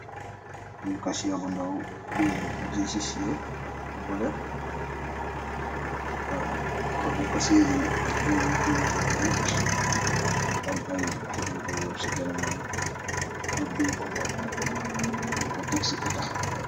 Xob bi kaasiya bu ndaw buñ ji ci siwo bu bula, xobi kaasiya ñun guy am kolor bu varte, am ay xob yu wuur ci gannaw am ak guy koko ñin ko teg ci eta.